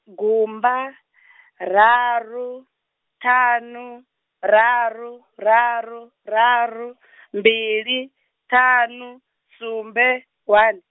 gumba, raru, ṱhanu, raru raru raru, mbili, ṱhanu sumbe, one.